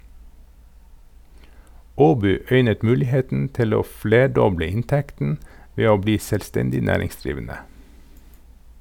Aaby øynet muligheten til å flerdoble inntekten ved å bli selvstendig næringsdrivende.